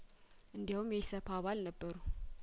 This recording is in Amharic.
እንዲያውም የኢሰፓ አባል ነበሩ